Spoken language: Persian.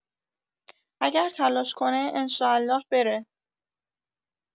اگر تلاش کنه انشالله بره